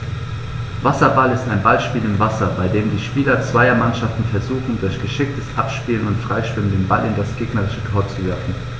Wasserball ist ein Ballspiel im Wasser, bei dem die Spieler zweier Mannschaften versuchen, durch geschicktes Abspielen und Freischwimmen den Ball in das gegnerische Tor zu werfen.